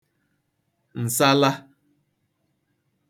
ǹsala